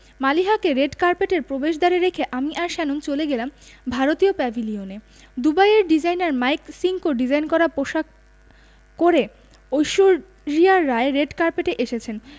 মালিহাকে রেড কার্পেটের প্রবেশদ্বারে রেখে আমি আর শ্যানন চলে গেলাম ভারতীয় প্যাভিলিয়নে দুবাইয়ের ডিজাইনার মাইক সিঙ্কোর ডিজাইন করা পোশাক করে ঐশ্বরিয়া রাই রেড কার্পেটে এসেছেন